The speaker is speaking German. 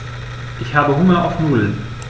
Ich habe Hunger auf Nudeln.